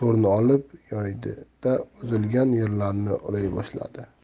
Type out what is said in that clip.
olib yoydi da uzilgan yerlarini ulay boshladi